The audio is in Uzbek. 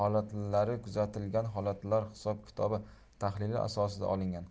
holatlari kuzatilgan holatlar hisob kitobi tahlili asosida olingan